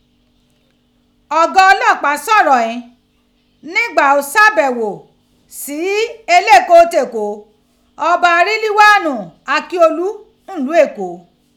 Ọga ọlọpaa sọrọ yii nigba to ṣabẹgho si Eleko ti Eko, Ọba Riliwaanu Akiolu niluu Eko.